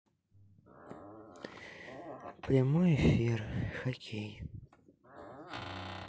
прямой эфир хоккей